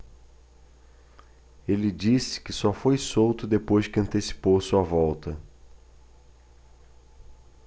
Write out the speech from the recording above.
ele disse que só foi solto depois que antecipou sua volta